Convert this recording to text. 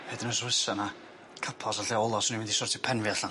Hyd yn oed os fysa 'na capal sa'n lle swn i'n mynd i sortio pen fi allan.